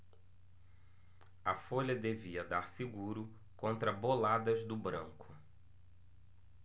a folha devia dar seguro contra boladas do branco